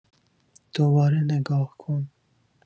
دوباره نگا کن